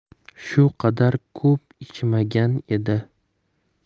shu qadar ko'p ichmagan edi